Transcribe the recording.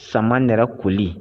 Samanɛrɛ koli.